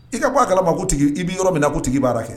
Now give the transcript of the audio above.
I ka bɔ a kala ma ko tigi i b'i yɔrɔ min na ko tigi b'a la kɛ.